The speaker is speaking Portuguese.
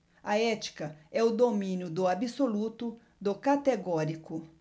a ética é o domínio do absoluto do categórico